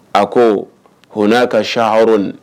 A ko ko n'a ka sh hro